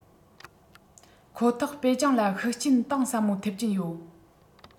ཁོ ཐག པེ ཅིང ལ ཤུགས རྐྱེན གཏིང ཟབ མོ ཐེབས ཀྱིན ཡོད